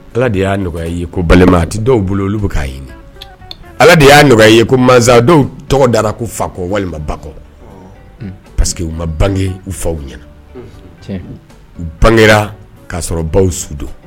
Ala de y'a nɔgɔya ye ko balima tɛ dɔw bolo olu bɛ k'a ɲini ala de y'a nɔgɔya ye ko mansa dɔw tɔgɔ dara ko fakɔ walima bakɔ paseke que u ma bange u faw ɲɛna u bangera k'a sɔrɔ baw su don